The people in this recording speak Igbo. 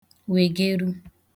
wègeru